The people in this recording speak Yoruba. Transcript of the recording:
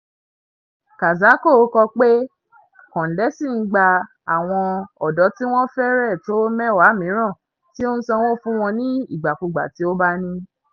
Kazako kọ pé Kondesi ń gba àwọn ọ̀dọ́ tí wọ́n fẹ́rẹ̀ tó mẹ́wàá mìíràn, tí ó ń sanwó fún wọn ní ìgbàkugbà tí ó bá ní.